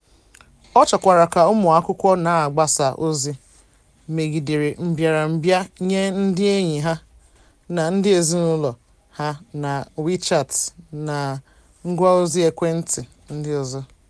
Ọ chọkwara ka ụmụakwụkwọ na-agbasa ozi megidere mbịarambịa nye ndị enyi ha na ndị ezinaụlọ ha na Wechat na ngwàozi ekwentị ndị ọzọ.